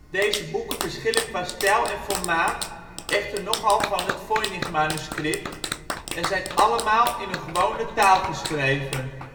Deze boeken verschillen qua stijl en formaat echter nogal van het Voynichmanuscript en zijn allemaal in een gewone taal geschreven